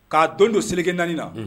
K'a don don seli naani na